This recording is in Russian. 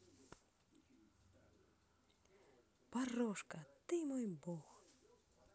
порошка ты мой бог